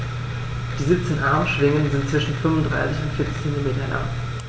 Die 17 Armschwingen sind zwischen 35 und 40 cm lang.